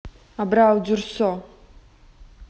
абрау дюрсо